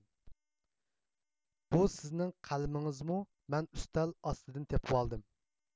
بۇ سىزنىڭ قەلىمىڭىزمۇ مەن ئۈستەل ئاستىدىن تېپىۋالدىم